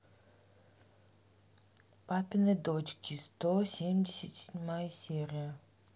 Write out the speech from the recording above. папины дочки сто семьдесят седьмая серия